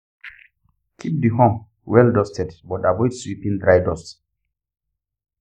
keep the home well dusted but avoid sweeping dry dust.